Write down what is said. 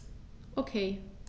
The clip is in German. Okay.